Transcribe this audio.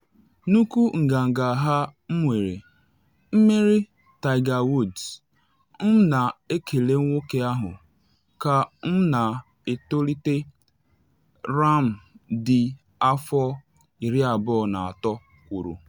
“Nnukwu nganga a m nwere, imeri Tiger Woods, m na elele nwoke ahụ ka m na etolite,” Rahm dị afọ 23 kwuru.